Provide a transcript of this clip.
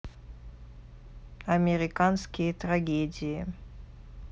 американские трагедии